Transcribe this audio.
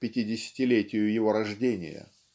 к пятидесятилетию его рождения?